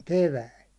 keväällä